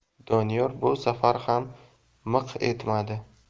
doniyor bu safar ham miq etmadi